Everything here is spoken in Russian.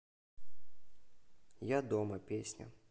я дома песня